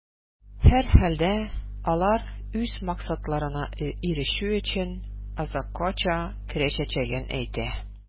Һәрхәлдә, алар үз максатларына ирешү өчен, азаккача көрәшәчәген әйтә.